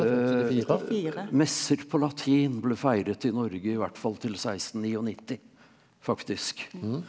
messer på latin ble feiret i Norge i hvert fall til 1699 faktisk.